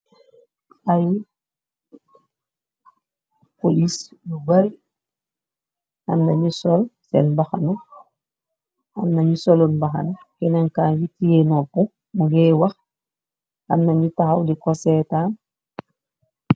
Ai polis yu barre am na ngu sol sen mbhana am na ngu solut mbahana kenaka gi tay noper mu nge wah.